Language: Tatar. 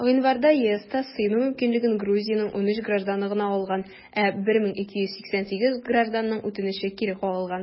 Гыйнварда ЕСта сыену мөмкинлеген Грузиянең 13 гражданы гына алган, ә 1288 гражданның үтенече кире кагылган.